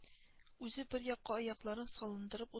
Үзе бер якка аякларын салындырып ут